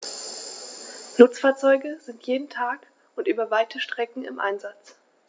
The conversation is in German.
Nutzfahrzeuge sind jeden Tag und über weite Strecken im Einsatz.